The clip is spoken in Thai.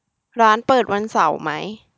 ร้านเปิดวันเสาร์ไหม